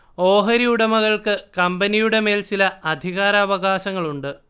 ഓഹരി ഉടമകൾക്ക് കമ്പനിയുടെ മേൽ ചില അധികാര അവകാശങ്ങളുണ്ട്